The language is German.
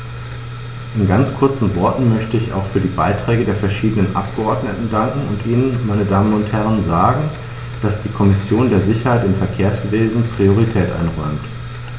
In ganz kurzen Worten möchte ich auch für die Beiträge der verschiedenen Abgeordneten danken und Ihnen, meine Damen und Herren, sagen, dass die Kommission der Sicherheit im Verkehrswesen Priorität einräumt.